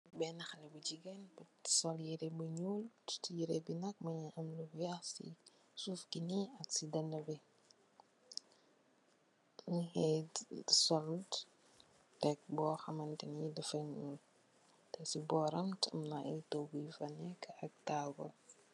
Bena khaleh bu gigeen munge sul yereh bu nyul yereh bi nak munge am lu wekh sisuf munge sul tekbu kham martini ak amna togu nyu si sen borr